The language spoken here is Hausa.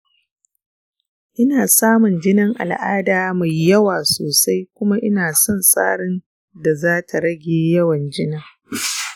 ina samun jinin al'ada mai yawa sosai kuma ina son tsarin da za ta rage yawan jinin.